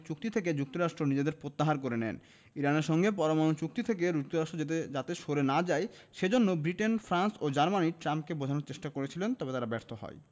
চুক্তি থেকে যুক্তরাষ্ট্র নিজেদের প্রত্যাহার করে নেন ইরানের সঙ্গে পরমাণু চুক্তি থেকে যুক্তরাষ্ট্র যাতে সরে না যায় সে জন্য ব্রিটেন ফ্রান্স ও জার্মানি ট্রাম্পকে বোঝানোর চেষ্টা করছিলেন তবে তারা ব্যর্থ হয়